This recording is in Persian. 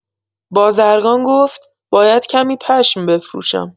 بازرگان گفت: «باید کمی پشم بفروشم».